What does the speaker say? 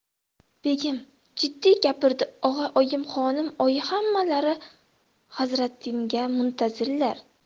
begim jiddiy gapirdi og'a oyim xonim oyi hammalari hazratimga muntazirlar